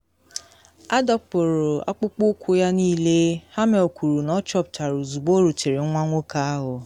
Adọpuru ọkpụkpụ ụkwụ ya niile, “ Hammel kwuru na ọ chọpụtara ozugbo o rutere nwa nwoke ahụ.